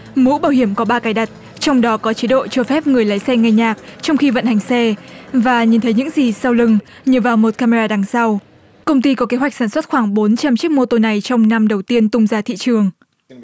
mũ bảo hiểm có ba cài đặt trong đó có chế độ cho phép người lái xe nghe nhạc trong khi vận hành xe và nhìn thấy những gì sau lưng nhờ vào một ke me ra đằng sau công ty có kế hoạch sản xuất khoảng bốn trăm chiếc mô tô này trong năm đầu tiên tung ra thị trường